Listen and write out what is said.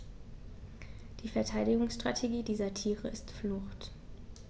Die Verteidigungsstrategie dieser Tiere ist Flucht.